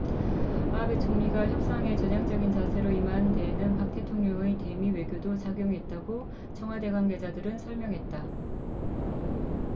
아베 총리가 협상에 전향적인 자세로 임한 데에는 박 대통령의 대미 외교도 작용했다고 청와대 관계자들은 설명했다